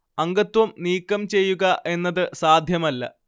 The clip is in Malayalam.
അംഗത്വം നീക്കം ചെയ്യുക എന്നത് സാധ്യമല്ല